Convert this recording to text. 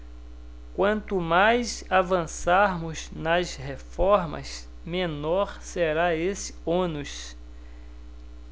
quanto mais avançarmos nas reformas menor será esse ônus